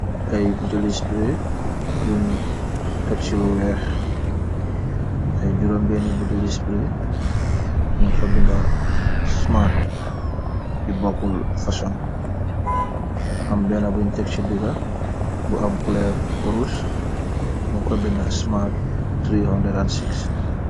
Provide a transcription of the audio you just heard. Ay boteli spri yuñu texsilu weex ay jurum bene boteli spri ñu fa binda semat yu bokkul fason am benna buñ teksi dëga bu am klere orus ñun fa binda semat terehundaret en seex.